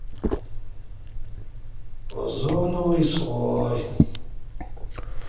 озоновый слой